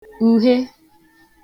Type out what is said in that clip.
ùhe